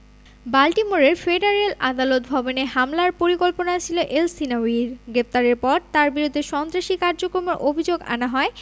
বাল্টিমোরের ফেডারেল আদালত ভবনে হামলার পরিকল্পনা ছিল এলসহিনাউয়ির গ্রেপ্তারের পর তাঁর বিরুদ্ধে সন্ত্রাসী কার্যক্রমের অভিযোগ আনা হয়